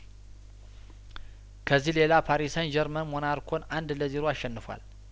ከዚህ ሌላ ፓሪሰን ዠርመን ሞናርኮን አንድ ለዜሮ አሸንፏል